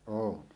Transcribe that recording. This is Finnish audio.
olen